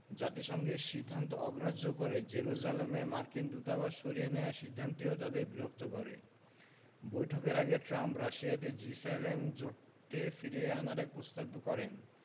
জাতিসংঘের সিদ্ধান্ত অগ্রাহ্য করে জেরুজালেমে মার্কিন দূতাবাস সরিয়ে নেওয়ার সিদ্ধান্তটিও তাদের বিরক্ত করে বৈঠকের আগে ট্রাম্প রাশিয়াতে জি সেভেন জোটে ফিরিয়ে আনার এক প্রস্তাব করেন